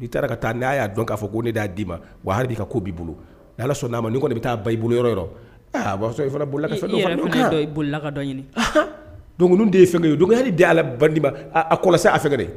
N'i taara ka taa n'a y'a dɔn k'a fɔ ko ne d'a d'i ma wa i ka ko b'i bolo ni Ala sɔnn'a ma nin kɔni bɛ taa ba i bolo yɔrɔ o yɔrɔ,